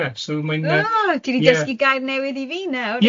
yeah, so mae'n yy... Oh, ti di dysgu gair newydd i fi nawr... Yeah.